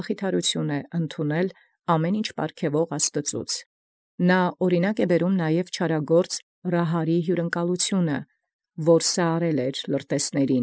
Մխիթարութիւն ընկալան յամենապարգևողէն Աստուծոյ, ըստ իւրաքանչիւր յառաջադիմութեանցն. նա և զժանդագործին Րահաբու զհիւրընկալութիւն լրտեսացն՝ համեմատէ։